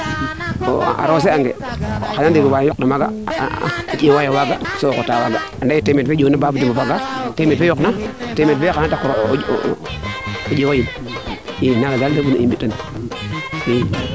a roose a nge xana jeg waa yoq na maaga a njeewayo maaga so xota waaga ande temeed fe temeed fe yoq na o njewaxin i naaga daal i mbi tun i